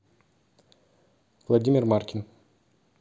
владимир маркин